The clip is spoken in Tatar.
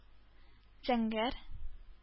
Зәңгәр